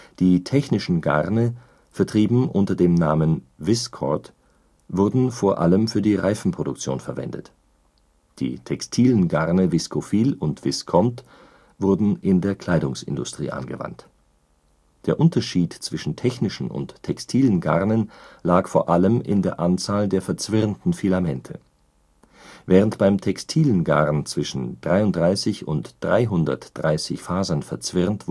Die technischen Garne, vertrieben unter dem Namen Viscord, wurden vor allem für die Reifenproduktion verwendet, die textilen Garne Viscofil und Viscont wurden in der Kleidungsindustrie angewandt. Der Unterschied zwischen technischen und textilen Garnen lag vor allem in der Anzahl der verzwirnten Filamente. Während beim textilen Garn zwischen 33 und 330 Fasern verzwirnt